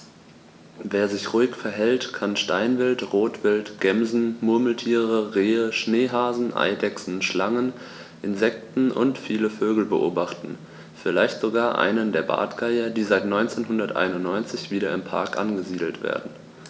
Wer sich ruhig verhält, kann Steinwild, Rotwild, Gämsen, Murmeltiere, Rehe, Schneehasen, Eidechsen, Schlangen, Insekten und viele Vögel beobachten, vielleicht sogar einen der Bartgeier, die seit 1991 wieder im Park angesiedelt werden.